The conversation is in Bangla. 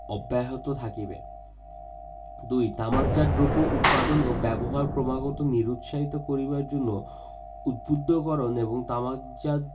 অব্যাহত থাকিবে ২ তামাকজাত দ্রব্য উৎপাদন ও ব্যবহার ক্রমাগত নিরুৎসাহিত করিবার জন্য উদ্বুদ্ধকরণ এবং তামাকজাত